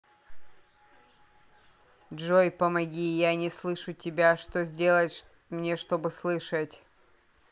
джой помоги я не слышу тебя что сделать мне чтобы слышать